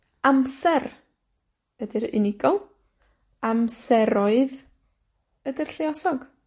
Amser, ydi'r unigol, amseroedd ydi'r lluosog.